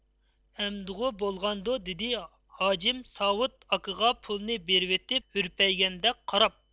ئەمدىغۇ بولغاندۇ دېدى ھاجىم ساۋۇت ئاكىغا پۇلنى بېرىۋېتىپ ھۈرپەيگەندەك قاراپ